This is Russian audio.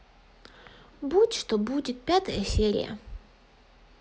будь что будет пятая серия